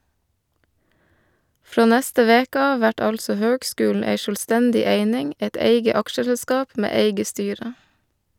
Frå neste veke av vert altså høgskulen ei sjølvstendig eining, eit eige aksjeselskap med eige styre.